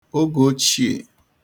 ogèochìè